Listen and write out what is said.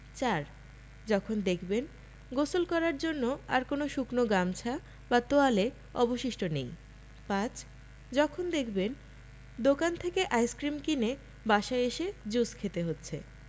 ৪. যখন দেখবেন গোসল করার জন্য আর কোনো শুকনো গামছা বা তোয়ালে অবশিষ্ট নেই ৫. যখন দেখবেন দোকান থেকে আইসক্রিম কিনে বাসায় এসে জুস খেতে হচ্ছে